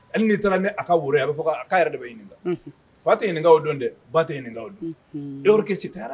Hali n'i taara ne a ka woro a bɛ fɔ a' yɛrɛ bɛ ɲinin na fa tɛ ɲininkakaw don dɛ ba tɛ ɲinin ninkaw donke tɛ taa